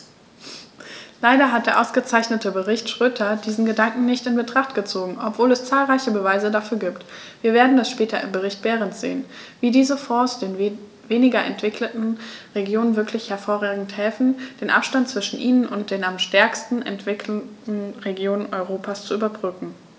Leider hat der ausgezeichnete Bericht Schroedter diesen Gedanken nicht in Betracht gezogen, obwohl es zahlreiche Beweise dafür gibt - wir werden das später im Bericht Berend sehen -, wie diese Fonds den weniger entwickelten Regionen wirklich hervorragend helfen, den Abstand zwischen ihnen und den am stärksten entwickelten Regionen Europas zu überbrücken.